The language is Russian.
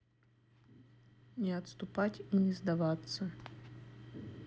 не отступать и не сдаваться